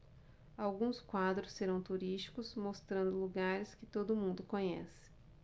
alguns quadros serão turísticos mostrando lugares que todo mundo conhece